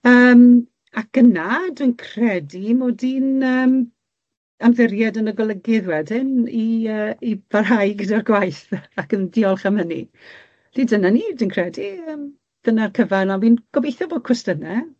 Yym ac yna dwi'n credu mod i'n yym amddiried yn y golygydd wedyn i yy i barhau gyda'r gwaith ac yn diolch am hynny. Felly dyna ni dwi'n credu yym dyna'r cyfan on' fi'n gobeithio bod cwestiyne.